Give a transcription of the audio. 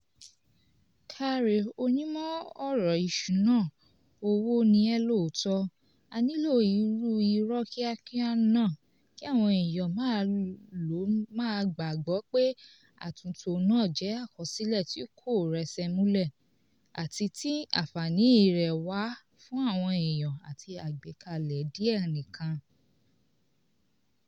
Káre, onímọ̀ ọ̀rọ̀ ìṣúná owó ni ẹ́ lóòótọ́, a nílò irú ìró kíákíá náà kí àwọn eèyàn má lọ máà gbàgbọ́ pé àtúntò nàá jẹ́ àkọsílẹ̀ tí kò rẹ́sẹ̀ múlẹ̀ àti tí àǹfààní rẹ̀ wá fún àwọn eèyàn àti àgbékalẹ̀ díẹ̀ nìkan.